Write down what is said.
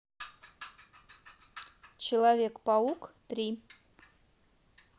человек паук три